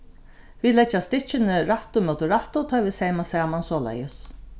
vit leggja stykkini rættu móti rættu tá vit seyma saman soleiðis